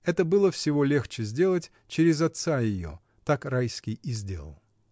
Это было всего легче сделать через отца ее: так Райский и сделал.